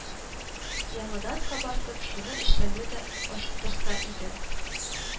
Яңадан кабартып, шуны эшләүне дә ашыктырса иде